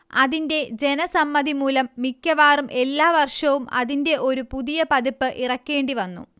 അതിന്റെ ജനസമ്മതിമൂലം മിക്കവാറും എല്ലാവർഷവും അതിന്റെ ഒരു പുതിയപതിപ്പ് ഇറക്കേണ്ടിവന്നു